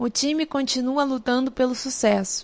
o time continua lutando pelo sucesso